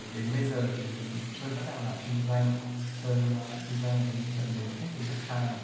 đến bây giờ sơn vẫn đang làm kinh doanh sơn kinh doanh bên mảng phần mềm thiết kế website